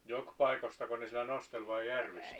jokipaikoistako ne sillä nosteli vai järvistä